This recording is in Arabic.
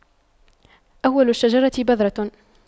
أول الشجرة بذرة